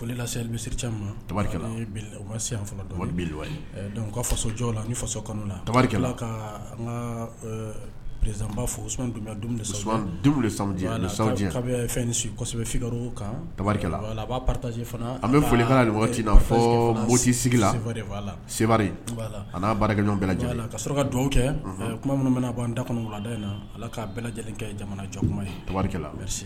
Folila se kaba fo fɛnsɛbɛ kanri a bɛ folisi sigi la ka sɔrɔ ka dɔw kɛ tuma minnu anan dada in ala ka bɛɛ lajɛlen kɛ jamanajɔ